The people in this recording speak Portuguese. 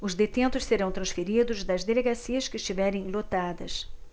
os detentos serão transferidos das delegacias que estiverem lotadas